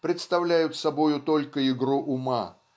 представляют собою только игру ума